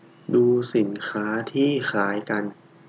ดูสินค้าที่คล้ายกัน